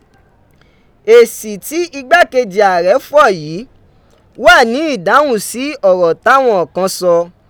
Esi ti igbakeji aarẹ fọ yi wa ni idahun si ọrọ tawọn kan sọ.